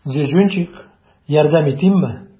Зюзюнчик, ярдәм итимме?